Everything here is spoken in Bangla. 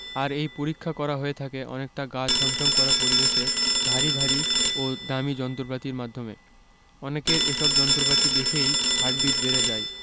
আর এই পরীক্ষা করা হয়ে থাকে অনেকটা গা ছমছম করা পরিবেশে ভারী ভারী ও দামি যন্ত্রপাতির মাধ্যমে অনেকের এসব যন্ত্রপাতি দেখেই হার্টবিট বেড়ে যায়